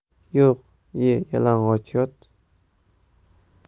yog' ye yalang'och yot